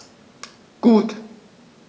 Gut.